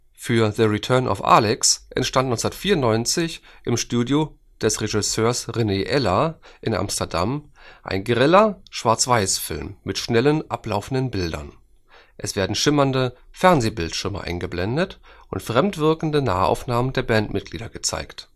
The Return of Alex entstand 1994 im Studio des Regisseurs René Eller in Amsterdam, ein greller Schwarzweißfilm mit schnell ablaufenden Bildern. Es werden flimmernde Fernsehbildschirme eingeblendet und fremd wirkende Nahaufnahmen der Bandmitglieder gezeigt